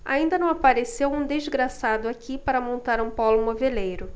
ainda não apareceu um desgraçado aqui para montar um pólo moveleiro